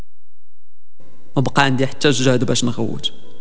احتزم واطنخ وشوش